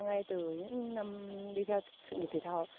ngay từ những năm đi theo sự nghiệp thể thao